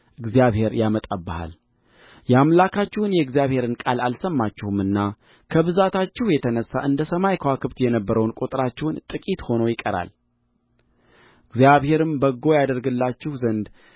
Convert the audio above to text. እግዚአብሔር ያመጣብሃል የአምላካችሁን የእግዚአብሔርን ቃል አልሰማችሁምና ከብዛታችሁ የተነሣ እንደ ሰማይ ከዋክብት የነበረው ቍጥራችሁ ጥቂት ሆኖ ይቀራል እግዚአብሔርም በጎ ያደርግላችሁ ዘንድ